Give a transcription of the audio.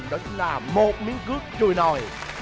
đó chính là một miếng cước chùi nồi